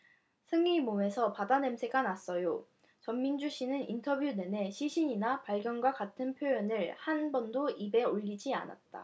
승희 몸에서 바다 냄새가 났어요전민주씨는 인터뷰 내내 시신이나 발견과 같은 표현을 단 한번도 입에 올리지 않았다